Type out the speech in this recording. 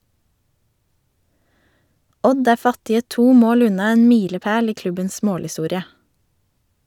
Odd er fattige to mål unna en milepæl i klubbens målhistorie.